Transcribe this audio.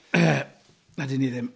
A dan ni ddim.